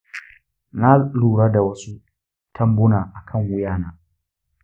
na lura da wasu tambuna akan wuyana.